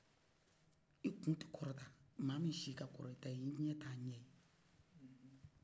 i kun tɛ kɔrɔta maa min si kakɔrɔ n'ita ye i ɲɛ t'a ɲɛ ye